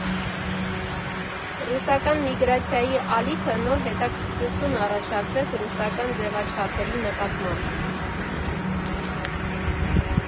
Ռուսական միգրացիայի ալիքը նոր հետաքրքրություն առաջացրեց ռուսական ձևաչափերի նկատմամբ։